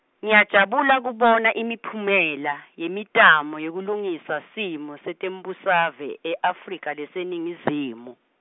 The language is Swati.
ngiyajabula kubona imiphumela, yemitamo, yekulungisa simo, setembusave e-Afrika, leseNingizimu.